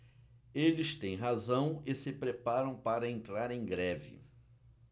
eles têm razão e se preparam para entrar em greve